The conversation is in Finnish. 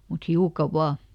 mutta hiukan vain